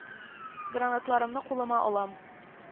Гранаталарымны кулыма алам